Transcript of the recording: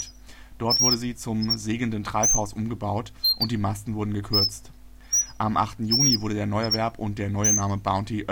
wurde sie zum „ segelnden Treibhaus “umgebaut und die Masten wurden gekürzt. Am 8. Juni wurden der Neuerwerb und der neue Name Bounty